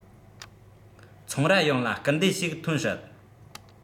ཚོང རྭ ཡོངས ལ སྐུལ འདེད ཞིག ཐོན སྲིད